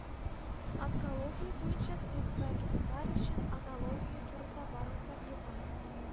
Онкология буенча специалистлар өчен онология турында барлык мәгълүмат